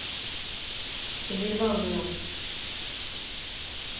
ты заебала уже нахуй